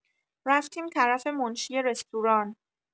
رفتیم طرف منشی رستوران